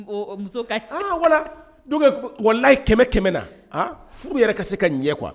Muso wala do walalayi ye kɛmɛ kɛmɛ na furu yɛrɛ ka se ka ɲɛ kuwa